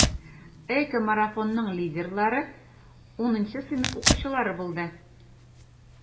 ЭКОмарафонның лидерлары 10 сыйныф укучылары булды.